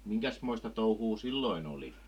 minkäsmoista touhua silloin oli